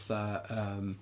Fatha yym...